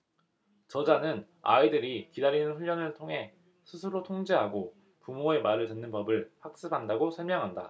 저자는 아이들이 기다리는 훈련을 통해 스스로 통제하고 부모의 말을 듣는 법을 학습한다고 설명한다